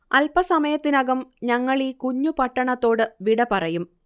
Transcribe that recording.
അൽപസമയത്തിനകം ഞങ്ങളീ കുഞ്ഞു പട്ടണത്തോടു വിട പറയും